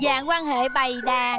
dạng quan hệ bầy đàn